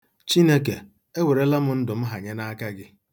Chineke, ewerela m ndụ m hanye n'aka gị.